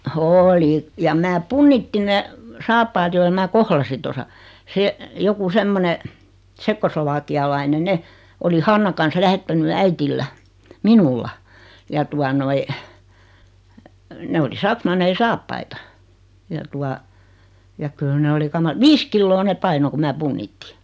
oli ja minä punnitsin ne saappaat joilla minä kohlasin tuossa se joku semmoinen tsekkoslovakialainen ne oli Hanna kanssa lähettänyt äidillä minulla ja tuota noin ne oli saksmanneja saappaita ja tuota ja kyllä ne oli - viisi kiloa ne painoi kun minä punnitsin